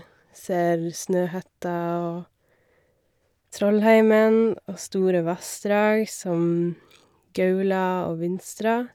Ser Snøhetta og Trollheimen, og store vassdrag som Gaula og Vinstra.